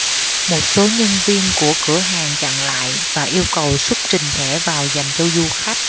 một số nhân viên của cửa hàng chặn lại và yêu cầu xuất trình thẻ vào dành cho du khách